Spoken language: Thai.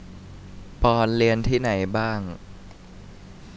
ปอนด์เรียนที่ไหนบ้าง